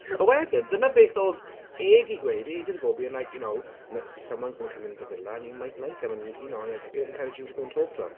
Ond wedyn dyna beth oedd e 'di gweud ages ago being like you know m- "Someone's gonna come into the villa and you might like him and you know, I ec- umm encourage you to go and talk to him."